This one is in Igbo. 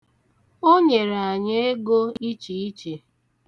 O nyere anyị ego ichiiche.